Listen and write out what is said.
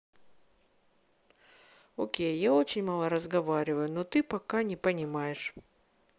окей я очень мало разговариваю но ты пока не понимаешь